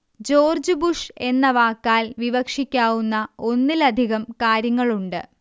George Bush എന്ന വാക്കാൽ വിവക്ഷിക്കാവുന്ന ഒന്നിലധികം കാര്യങ്ങളുണ്ട്